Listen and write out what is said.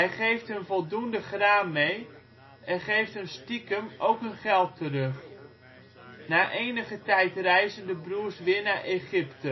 geeft hun voldoende graan mee en geeft hun stiekem ook hun geld terug. Na enige tijd reizen de broers weer naar Egypte